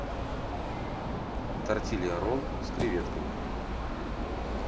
тортилья ролл с креветками